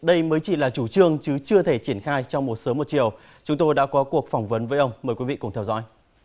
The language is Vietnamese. đây mới chỉ là chủ trương chứ chưa thể triển khai trong một sớm một chiều chúng tôi đã có cuộc phỏng vấn với ông mời quý vị cùng theo dõi